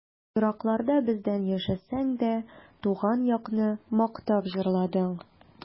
Еракларда бездән яшәсәң дә, Туган якны мактап җырладың.